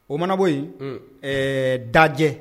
O manabɔ yen ɛɛ dajɛ